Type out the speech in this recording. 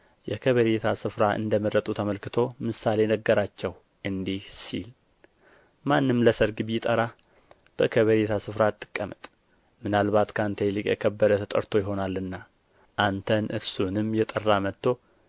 የከበሬታ ስፍራ እንደ መረጡ ተመልክቶ ምሳሌ ነገራቸው እንዲህ ሲል ማንም ለሰርግ ቢጠራህ በከበሬታ ስፍራ አትቀመጥ ምናልባት ከአንተ ይልቅ የከበረ ተጠርቶ ይሆናልና አንተን እርሱንም የጠራ መጥቶ